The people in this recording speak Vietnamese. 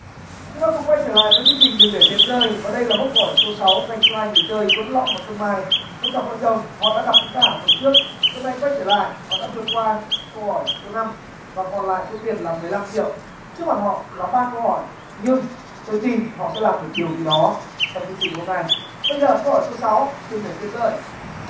chúng ta cùng quay trở lại với chương trình đừng để tiền rơi và đây là mốc câu hỏi số sáu dành cho hai người chơi tuấn long và xuân mai một cặp vợ chồng họ đã gặp chúng ta tuần trước tuần này quay trở lại họ đã vượt qua câu hỏi số năm và còn lại số tiền là mười lăm triệu trước mặt họ là ba câu hỏi nhưng tôi tin họ sẽ làm được điều gì đó trong chương trình hôm nay bây giờ câu hỏi số sáu đừng để tiền rơi